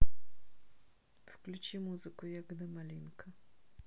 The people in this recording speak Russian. включи музыку ягода малинка